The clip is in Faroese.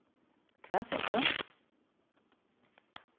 hvat segði tú